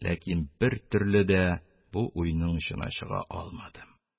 Ләкин бертөрле дә бу уйның очына чыга алмадым.